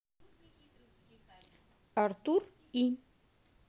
артур и